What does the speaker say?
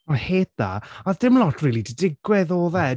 Oh I hate that A oedd dim lot rili 'di digwydd oedd e?